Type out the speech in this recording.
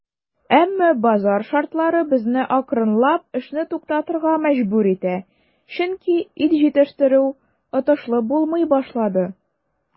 Әмма базар шартлары безне акрынлап эшне туктатырга мәҗбүр итә, чөнки ит җитештерү отышлы булмый башлады.